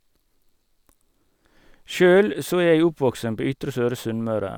Sjøl så er jeg oppvokst på Ytre Søre Sunnmøre.